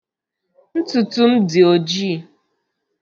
Ntụtụ m dị oji.